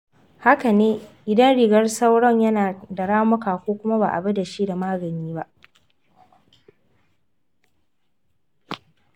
haka ne, idan rigar sauron yana da ramuka ko kuma ba a bi da shi da magani ba.